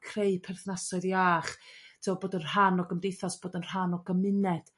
creu perthnasoedd iach so bod yn rhan o'r gymdeithas bod yn rhan o gymuned.